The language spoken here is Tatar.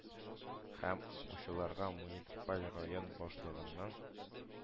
Һәм укучыларга муниципаль район башлыгының